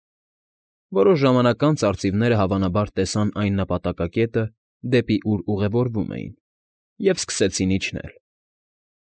Որոշ ժամանակ անց արծիվները հավանաբար տեսան այն նպատակակետը, դեպի ուր ուղևորվում էին, և սկսեցին իջնել։